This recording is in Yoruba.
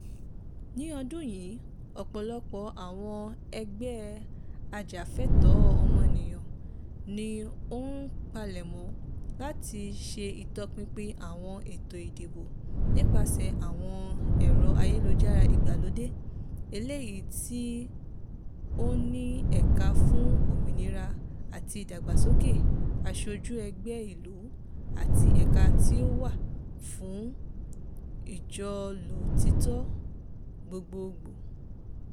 Ní ọdún yìí, ọ̀pọ̀lọpọ̀ àwọn ẹgbẹ́ ajàfẹ́tọ̀ọ́ ọmọnìyàn ni ó ń palẹ̀mọ́ láti ṣe ìtọpinpin àwọn ètò ìdìbò nípaṣẹ àwọn ẹ̀rọ-ayélujára ìgbàlódé, eléyìí tí ó ní Ẹ̀ka fún Òmìnira àti Ìdàgbàsókè, Asojú Ẹgbẹ́ ìlú àti Ẹ̀ka tí ó wà fún Ìjólótìítọ́ Gbogbogbò.